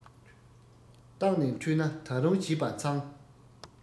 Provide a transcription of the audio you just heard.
བརྟགས ནས འཁྲུལ ན ད རུང བྱེད བྱེད པ མཚང